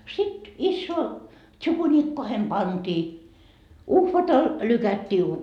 sitten isoihin tsukunikkoihin pantiin uhvatalla lykättiiin -